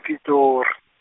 Pitor-.